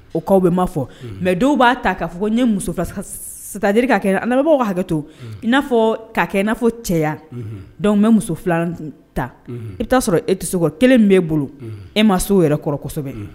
O' bɛ ma fɔ mɛ dɔw b'a ta k'a fɔ n ye musojbagaw hakɛ to n'a ka kɛ n'a fɔ cɛya dɔw bɛ muso filanan ta i bɛ'a sɔrɔ e tɛ se kelen b'e bolo e ma sow yɛrɛ kɔrɔ kosɛbɛ